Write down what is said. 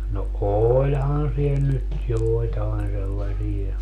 no olihan siellä nyt joitain sellaisia